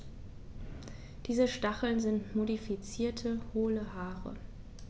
Diese Stacheln sind modifizierte, hohle Haare.